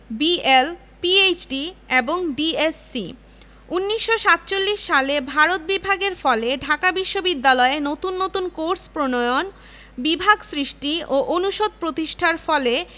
BL PhD এবং DSc ১৯৪৭ সালে ভারত বিভাগের ফলে ঢাকা বিশ্ববিদ্যালয়ে নতুন নতুন কোর্স প্রণয়ন বিভাগ সৃষ্টি ও অনুষদ প্রতিষ্ঠার ফলে